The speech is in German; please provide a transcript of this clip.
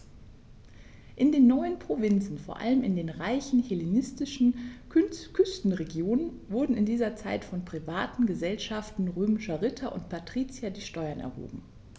In den neuen Provinzen, vor allem in den reichen hellenistischen Küstenregionen, wurden in dieser Zeit von privaten „Gesellschaften“ römischer Ritter und Patrizier die Steuern erhoben.